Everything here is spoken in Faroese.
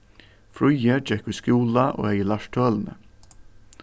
fríði gekk í skúla og hevði lært tølini